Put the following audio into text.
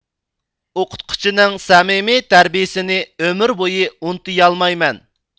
ئوقۇتقۇچىنىڭ سەمىمىي تەربىيىسىنى ئۆمۈر بويى ئۇنتۇيالمايمەن